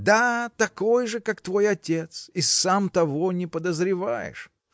-- Да, такой же, как твой отец, и сам того не подозреваешь.